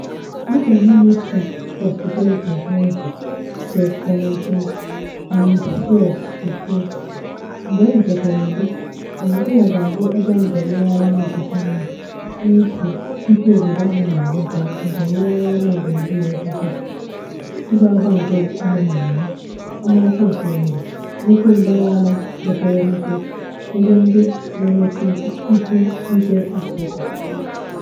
Dịka Mịnịsta Hospitality and Tourism, Jorge Valentim Alicerces si kwuo, “mgbe e nwetachara udo, Angola ga-abụ ebe njem nlereanya kacha mma n'ihi ikike obodo ahụ nwere maka njem nlereanya gburugburu ebe obibi, ịba ụba nke omenala ya, ọmarịcha osimiri, nnukwu mbaraala mepere emepe, ugwu ndị na-emetụ ihuigwe Afrịka.